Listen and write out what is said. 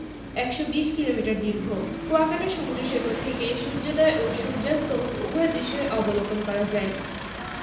১২০ kilometre দীর্ঘ কুয়াকাটা সমুদ্র সৈকত থেকে সূর্যোদয় ও সূর্যাস্ত উভয় দৃশ্যই অবলোকন করা যায়